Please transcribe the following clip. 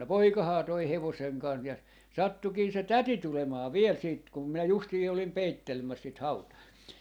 no poikahan toi hevosen - ja sattuikin se täti tulemaan vielä sitten kun minä justiin olin peittelemässä sitä hautaa